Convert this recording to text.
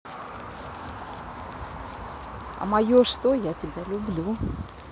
а мое что я тебя люблю